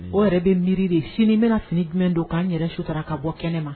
O yɛrɛ bi miiri de sini n bɛna fini jumɛn don ka n yɛrɛ sutura ka bɔ kɛnɛma.